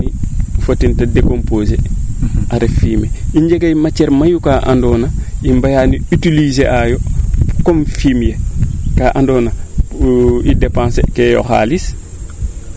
fo ten te decomposer a ref fumier i njega matiere mayu kaa ando na i mbaraa no utiliser ayo comme fumier kaa ando na i depenser kee yo xalis